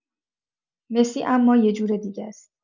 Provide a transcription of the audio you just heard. مسی اما یه جور دیگه‌ست.